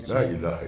N'a jira ye